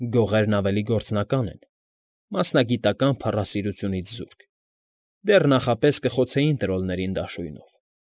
Գողերն ավելի գործնական են, մասնագիտական փառասիրությունից զուրկ, դեռ նախապես կխոցեին տրոլներին դաշույնով։